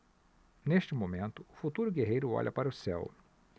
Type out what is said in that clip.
neste momento o futuro guerreiro olha para o céu